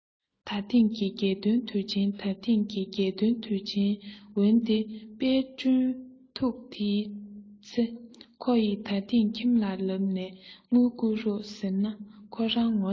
ད ཐེངས ཀྱི རྒྱལ སྟོན དུས ཆེན ད ཐེངས ཀྱི རྒྱལ སྟོན དུས ཆེན འོན ཏེ དཔལ སྒྲོན ཐུགས དེའི ཚེ ཁོ ཡི ད ཐེངས ཁྱིམ ལ ལབ ནས དངུལ བསྐུར རོགས ཟེར ན ཁོ རང ངོ ཚ